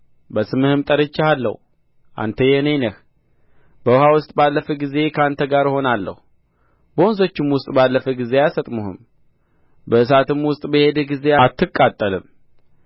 በስምህም ጠርቼሃለሁ አንተ የእኔ ነህ በውኃ ውስጥ ባለፍህ ጊዜ ከአንተ ጋር እሆናለሁ በወንዞችም ውስጥ ባለፍህ ጊዜ አያሰጥሙህም በእሳትም ውስጥ በሄድህ ጊዜ አትቃጠልም